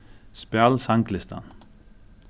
spæl sanglistan